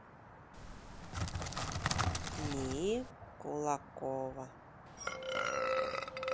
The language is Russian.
нии кулакова